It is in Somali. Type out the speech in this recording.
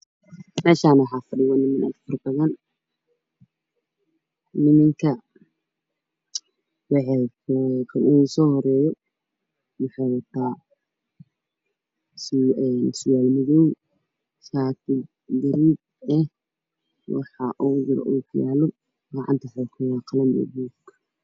Meeshani waxaa fadhiyo niman nimanka waxay usoo horeyaya surwal madaw jaakad madaw